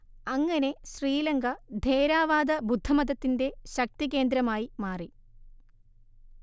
അങ്ങനെ ശ്രീലങ്ക ഥേരവാദ ബുദ്ധമതത്തിന്റെ ശക്തികേന്ദ്രമായി മാറി